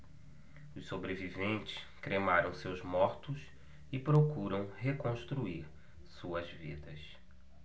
os sobreviventes cremaram seus mortos e procuram reconstruir suas vidas